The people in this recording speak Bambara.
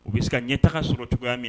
O bɛ se ka ɲɛ taga sɔrɔ cogoyaya min